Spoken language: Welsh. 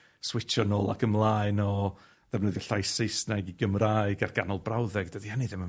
switsio nôl ac ymlaen o ddefnyddio llais Saesneg i Gymraeg ar ganol brawddeg dydi hynny ddim yn